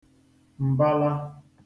m̀bala